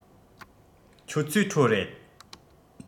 ཁྱོད ཚོས ཁྲོད རེད